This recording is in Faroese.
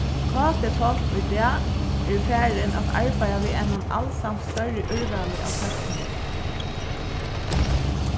kt-fólk í dag eru farin at arbeiða við einum alsamt størri úrvali av tøkni